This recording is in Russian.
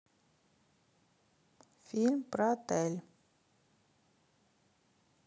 фильм про отель